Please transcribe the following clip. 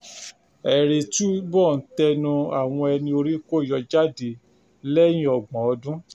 Ẹ̀rí túbọ̀ ń tẹnu àwọn ẹni-orí-kó-yọ jáde lẹ́yìn ọgbọ̀n ọdún.